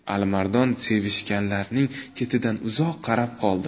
alimardon sevishganlarning ketidan uzoq qarab qoldi